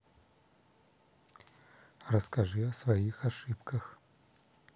расскажи о своих ошибках